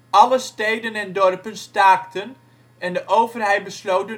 Alle steden en dorpen staakten en de overheid besloot